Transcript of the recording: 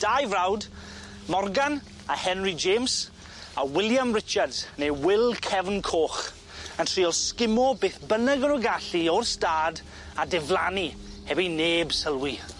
Dau frawd Morgan a Henry James a William Richards neu Wil Cefn Coch yn trial sgimo beth bynnag o' nw gallu o'r stâd a diflannu heb i neb sylwi.